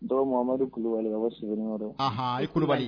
Dɔwhamadudu kulubali ka bɔ si sɛbɛninyɔrɔ dɔn kulubali